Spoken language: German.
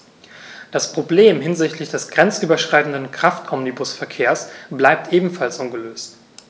Das Problem hinsichtlich des grenzüberschreitenden Kraftomnibusverkehrs bleibt ebenfalls ungelöst.